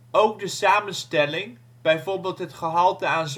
Ook de samenstelling (bijvoorbeeld het gehalte aan zwavelverbindingen